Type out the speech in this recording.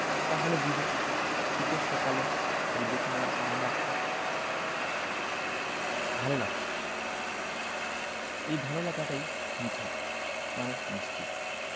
তা হলে বোঝ শীতের সকালে রুদে তোমার আরাম লাগছে ভালো লাগছে এই ভালো লাগাটাই মিঠা মানে মিষ্টি